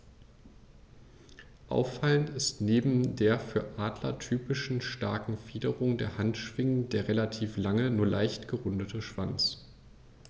Auffallend ist neben der für Adler typischen starken Fingerung der Handschwingen der relativ lange, nur leicht gerundete Schwanz.